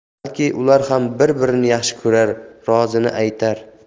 balki ular ham bir birini yaxshi ko'rar rozini aytar